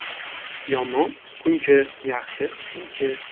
yomon kunchi yaxshi sinchi